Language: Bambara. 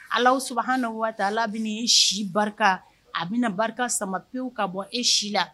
Ala su na waati ala bɛ si barika a bɛna barika sama pewu ka bɔ e si la